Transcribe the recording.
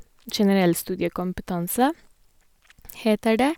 Generell studiekompetanse, heter det.